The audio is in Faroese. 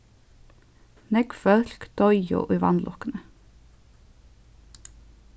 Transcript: nógv fólk doyðu í vanlukkuni